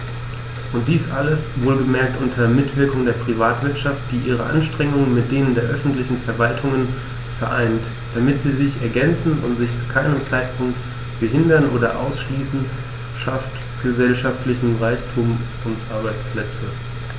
Und dies alles - wohlgemerkt unter Mitwirkung der Privatwirtschaft, die ihre Anstrengungen mit denen der öffentlichen Verwaltungen vereint, damit sie sich ergänzen und sich zu keinem Zeitpunkt behindern oder ausschließen schafft gesellschaftlichen Reichtum und Arbeitsplätze.